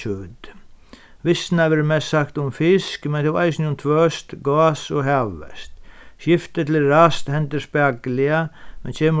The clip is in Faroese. kjøt visnað verður mest sagt um fisk men tó eisini um tvøst gás og havhest skiftið til ræst hendir spakuliga men kemur